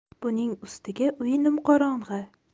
buning ustiga uy nimqorong'i